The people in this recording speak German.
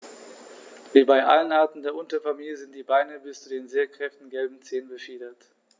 Wie bei allen Arten der Unterfamilie sind die Beine bis zu den sehr kräftigen gelben Zehen befiedert.